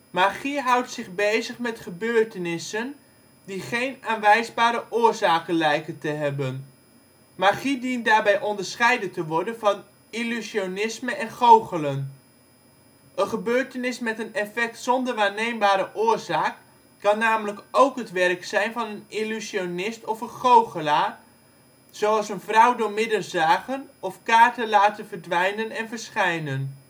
Magie houdt zich bezig met gebeurtenissen, die geen aanwijsbare oorzaken (lijken te) hebben. Magie dient daarbij onderscheiden te worden van illusionisme en goochelen. Een gebeurtenis met een effect zonder waarneembare oorzaak kan namelijk ook het werk zijn van een illusionist of een goochelaar, zoals een vrouw doormidden zagen of kaarten te laten verdwijnen en verschijnen